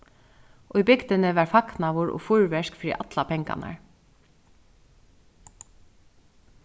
í bygdini var fagnaður og fýrverk fyri allar pengarnar